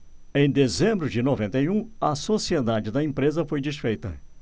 em dezembro de noventa e um a sociedade da empresa foi desfeita